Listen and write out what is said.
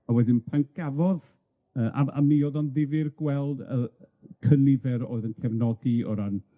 A wedyn, pan gafodd yy a m- a mi o'dd o'n ddifyr gweld y yy cynifer oedd yn cefnogi o ran